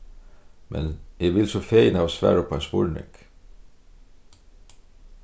men eg vil so fegin hava svar uppá ein spurning